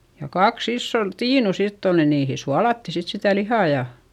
ja kaksi isoon tiinua sitten oli niin niihin suolattiin sitten sitä lihaa ja